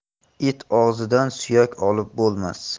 it og'zidan suyak olib bo'lmas